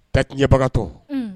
Ta tunɲɛbagatɔ